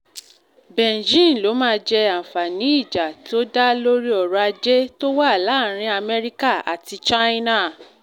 Beijing ló máa jẹ àǹfààní ìjà tó dá lórí ọrọ̀-ajé tó wá láàrin Amẹ́ríkà àti China